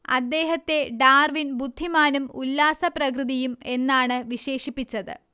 അദ്ദേഹത്തെ ഡാർവിൻ ബുദ്ധിമാനും ഉല്ലാസപ്രകൃതിയും എന്നാണ് വിശേഷിപ്പിച്ചത്